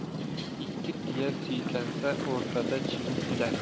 ikki tuya suykansa o'rtada chivin o'lar